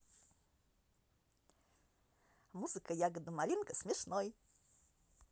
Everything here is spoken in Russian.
музыка ягода малинка смешной